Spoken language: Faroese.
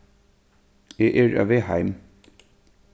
eg eri á veg heim